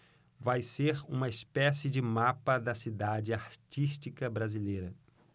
vai ser uma espécie de mapa da cidade artística brasileira